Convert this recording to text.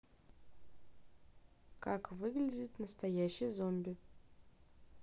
как выглядит настоящий зомби